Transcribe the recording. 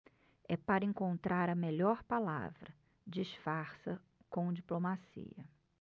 é para encontrar a melhor palavra disfarça com diplomacia